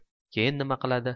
keyin nima qiladi